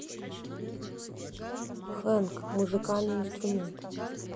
hank музыкальный инструмент